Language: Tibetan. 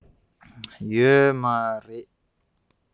ཡོད མ རེད